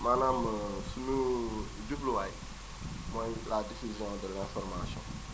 maanaam suñu jubluwaay mooy la diffusion de l' information